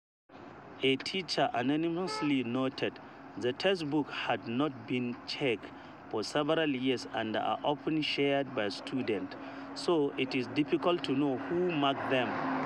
As a teacher anonymously noted, the textbooks had not been checked for several years and are often shared by students, so it is difficult to know who marked them.